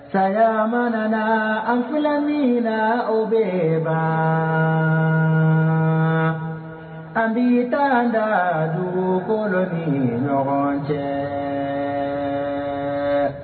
Saya ma nana an filaninw na o bɛ ban, an b'i taa an da dugukolo min ɲɔgɔn cɛ.